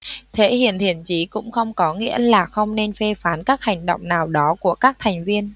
thể hiện thiện ý cũng không có nghĩa là không nên phê phán các hành động nào đó của các thành viên